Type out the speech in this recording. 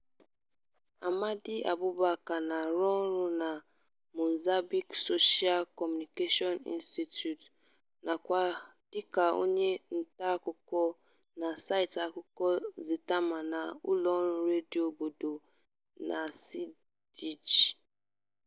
Amade Aoubacar na-arụ ọrụ na Mozambique Social Communication Institute nakwa dịka onye ntaakụkọ na saịtị akụkọ Zitamar na ụlọọrụ redio obodo, Nacedje.